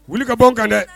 Wuli ka bɔ kan dɛ